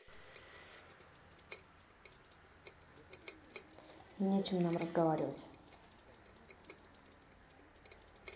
нечем нам разговаривать